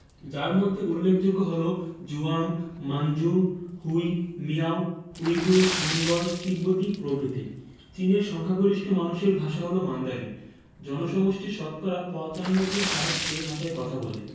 যার মধ্যে উল্লেখযোগ্য হলো Zhuang Manchu Hui Miao Uyghur Mongol তিব্বতি প্রভৃতি চীনের সংখ্যাগরিষ্ঠ মানুষের ভাষা হলো মান্দারিন জনসমষ্টির শতকরা ৯৫ ভাগ এ ভাষায় কথা বলে